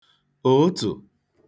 ụụtụ